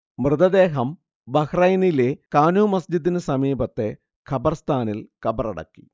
മൃതദേഹം ബഹ്റൈനിലെ കാനൂ മസ്ജിദിനു സമീപത്തെ ഖബർസ്ഥാനിൽ കബറടക്കി